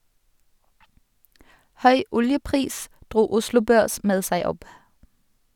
Høy oljepris dro Oslo Børs med seg opp.